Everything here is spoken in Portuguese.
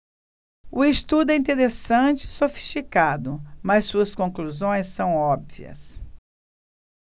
o estudo é interessante e sofisticado mas suas conclusões são óbvias